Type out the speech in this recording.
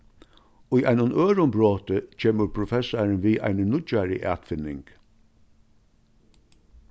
í einum øðrum broti kemur professarin við eini nýggjari atfinning